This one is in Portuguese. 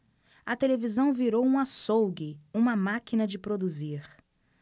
a televisão virou um açougue uma máquina de produzir